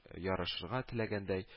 Ярышырга теләгәндәй